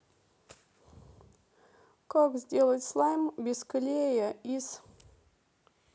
как сделать слайм без клея из